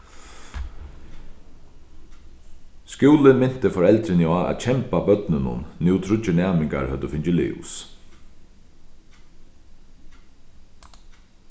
skúlin minti foreldrini á at kemba børnunum nú tríggir næmingar høvdu fingið lús